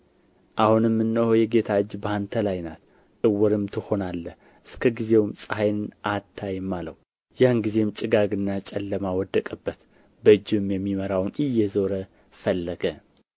አሁንም እነሆ የጌታ እጅ በአንተ ላይ ናት ዕውርም ትሆናለህ እስከ ጊዜውም ፀሐይን አታይም አለው ያን ጊዜም ጭጋግና ጨለማ ወደቀበት በእጁም የሚመራውን እየዞረ ፈለገ